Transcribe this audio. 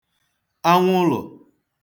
anwụlụ̀